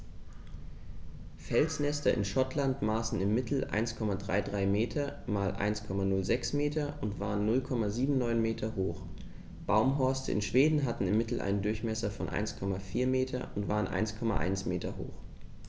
Felsnester in Schottland maßen im Mittel 1,33 m x 1,06 m und waren 0,79 m hoch, Baumhorste in Schweden hatten im Mittel einen Durchmesser von 1,4 m und waren 1,1 m hoch.